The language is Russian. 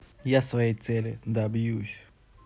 я своей цели добьюсь